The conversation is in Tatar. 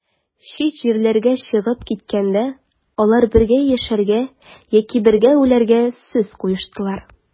Чит җирләргә чыгып киткәндә, алар бергә яшәргә яки бергә үләргә сүз куештылар.